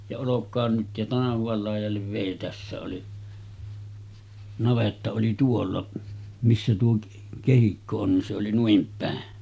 ja olkoon nyt ja tanhuan laidalle vei tässä oli navetta oli tuolla missä tuo kehikko on niin se oli noin päin